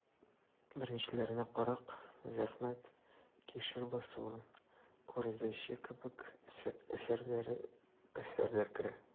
Беренчеләренә «Карак», «Зәхмәт», «Кишер басуы», «Күрәзәче» кебек әсәрләр керә.